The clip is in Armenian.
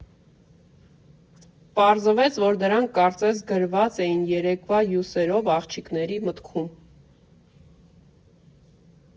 Պարզվեց, որ դրանք կարծես գրված էին երեկվա հյուսերով աղջիկների մտքում։